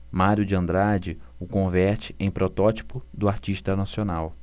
mário de andrade o converte em protótipo do artista nacional